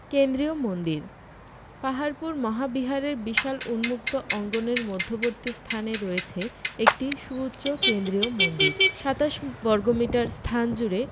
কেন্দ্রীয় মন্দিরঃ পাহাড়পুর মহাবিহারের বিশাল উন্মুক্ত অঙ্গনের মধ্যবর্তী স্থানে রয়েছে একটি সুউচ্চ কেন্দ্রীয় মন্দির ২৭ বর্গমিটার স্থান জুড়ে